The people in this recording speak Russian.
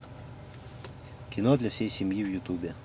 кино для всей семьи в ютубе